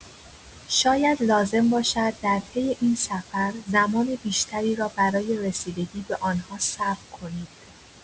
شاید لازم باشد، در طی این سفر، زمان بیشتری را برای رسیدگی به آن‌ها صرف کنید.